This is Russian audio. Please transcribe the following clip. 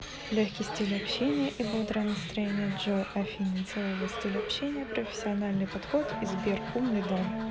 легкий стиль общения и бодрое настроение джой афина деловой стиль общения профессиональный подход и сбер умный дом